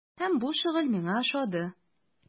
Һәм бу шөгыль миңа ошады.